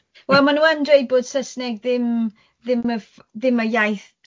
Wel, maen nhw yn dweud bod Saesneg ddim ddim y ff-, ddim y iaith